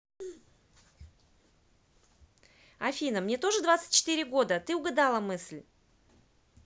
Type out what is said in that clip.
афина мне тоже двадцать четыре года ты угадала мысль